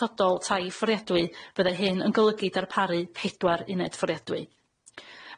atodol tai fforiadwy fyddai hyn yn golygu darparu pedwar uned fforiadwy.